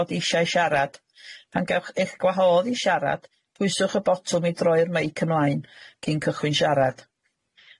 bod eishau siarad pan gewch eich gwahodd i siarad pwyswch y botwm i droi'r meic ymlaen cyn cychwyn sharad.